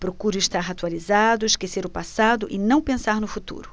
procuro estar atualizado esquecer o passado e não pensar no futuro